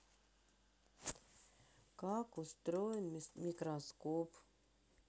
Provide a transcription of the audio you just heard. как устроен микроскоп